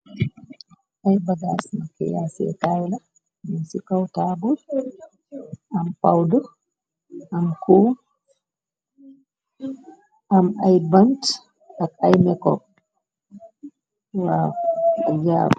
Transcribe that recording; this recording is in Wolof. Ay bagas naki yaasee taayla yin ci kaw taabal am pawd am ku am ay bant ak ay mekop waajaar.